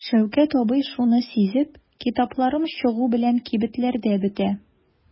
Шәүкәт абый шуны сизеп: "Китапларым чыгу белән кибетләрдә бетә".